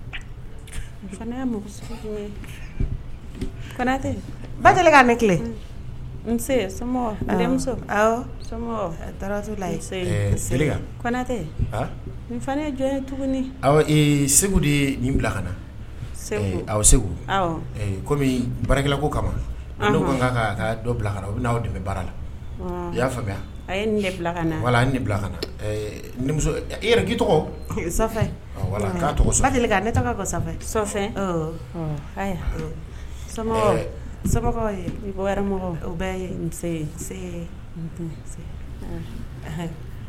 Tɛ netɛ jɔn segu ye ka na segu kɔmi bara ko kama dɔ bila u n' aw dɛmɛ baara la i y'a faamuya a nin ka tɔgɔ